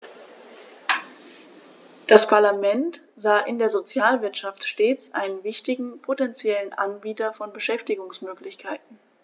Das Parlament sah in der Sozialwirtschaft stets einen wichtigen potentiellen Anbieter von Beschäftigungsmöglichkeiten.